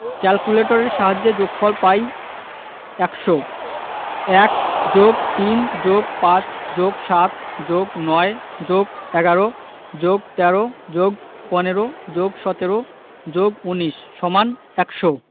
ক্যালকুলেটরের সাহায্যে যোগফল পাই ১০০ ১+৩+৫+৭+৯+১১+১৩+১৫+১৭+১৯=১০০